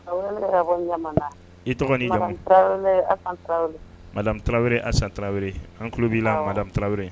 Ka weleli kɛ ka bɔ ɲamana. I tɔgɔ ni jamu? Madame Tarawele Asan Tarawele. Madame Tarawele Asan Tarawele an kulo bi la Madame Tarawele